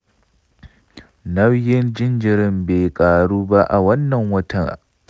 nauyin jaririn bai ƙaru ba a wannan watan.